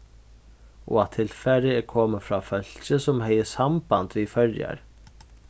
og at tilfarið er komið frá fólki sum hevði samband við føroyar